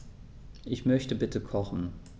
Ich möchte bitte kochen.